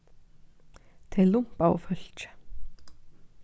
tey lumpaðu fólkið